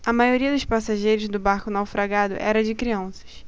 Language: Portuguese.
a maioria dos passageiros do barco naufragado era de crianças